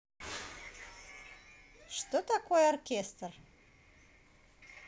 что такое оркестр